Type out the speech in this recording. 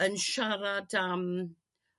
yn siarad am